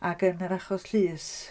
Ac yn yr achos llys...